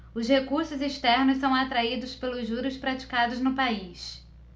os recursos externos são atraídos pelos juros praticados no país